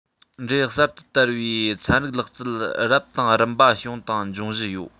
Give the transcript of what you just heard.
འབྲེལ གསར དུ དར བའི ཚན རིག ལག རྩལ རབ དང རིམ པ བྱུང དང འབྱུང བཞིན ཡོད